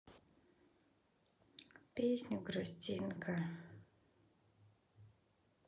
песня грустинка